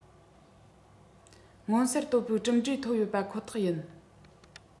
མངོན གསལ དོད པའི གྲུབ འབྲས ཐོབ ཡོད པ ཁོ ཐག ཡིན